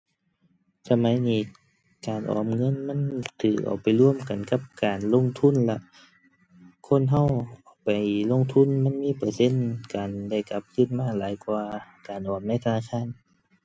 สมัยนี้การออมเงิน มันถูกเอาไปรวมกันกับการลงทุนแล้ว คนถูกไปลงทุนมันมีเปอร์เซ็นต์การได้กลับคืนมาหลายกว่าการออมในธนาคาร